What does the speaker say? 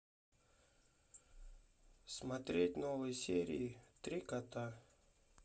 смотреть новые серии три кота